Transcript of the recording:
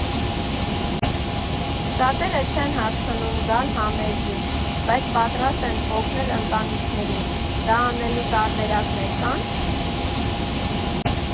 Շատերը չեն հասցնում գալ համերգին, բայց պատրաստ են օգնել ընտանիքներին, դա անելու տարբերակներ կա՞ն։